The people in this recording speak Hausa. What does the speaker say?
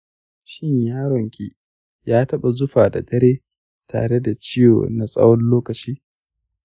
shin yaron ki ya taɓa zufa a dare tare da ciwo na tsawon lokaci?